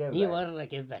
niin varhain keväällä